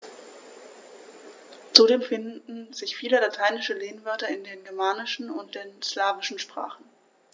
Zudem finden sich viele lateinische Lehnwörter in den germanischen und den slawischen Sprachen.